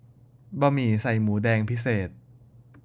บะหมี่ใส่หมูแดงพิเศษ